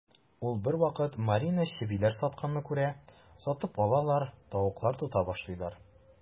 Ә бервакыт Марина чебиләр сатканны күрә, сатып алалар, тавыклар тота башлыйлар.